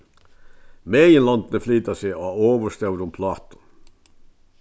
meginlondini flyta seg á ovurstórum plátum